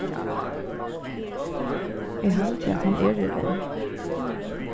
eg haldi at hann er her enn